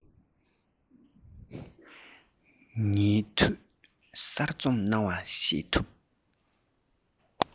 ཉིད དུ གསར རྩོམ གནང བ ཤེས ཐུབ